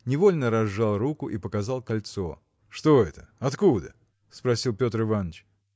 невольно разжал руку и показал кольцо. – Что это? откуда? – спросил Петр Иваныч.